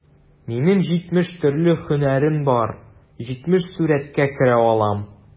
Минем җитмеш төрле һөнәрем бар, җитмеш сурәткә керә алам...